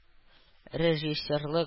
Режиссерлык